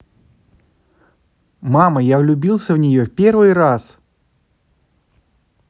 мама я влюбился в нее первый раз